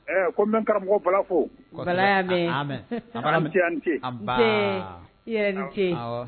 ɛɛ Ko n bɛ karamɔgɔ Bala fo. Kɔsɛbɛ .A ya mɛn. A ni ce a ni ce. Anbaa. I yɛrɛ ni ce.